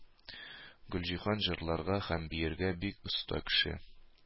Гөлҗиһан җырларга һәм биергә бик оста кеше.